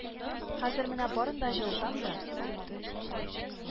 Хәзер менә барын да җылытам да